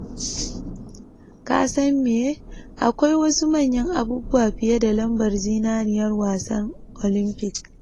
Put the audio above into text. “Ka san meye, akwai wasu manyan abubuwa fiye da lambar zinariyar wasar Olympics.